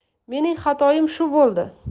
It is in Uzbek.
mening xatoim shu bo'ldi